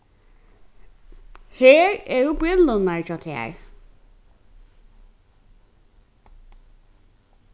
her eru brillurnar hjá tær